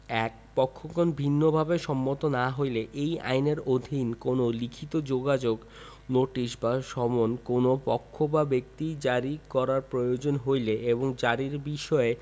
১ পক্ষগণ ভিন্নভাবে সম্মত না হইলে এই আইনের অধীন কোন লিখিত যোগাযোগ নোটিশ বা সমন কোন পক্ষ বা ব্যক্তির জারী করার প্রয়োজন হইলে এবং জারীর বিষয়ে